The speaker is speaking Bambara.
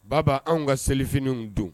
Baba anw ka selifiniw don